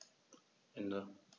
Ende.